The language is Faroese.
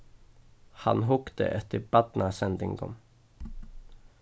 hann hugdi eftir barnasendingum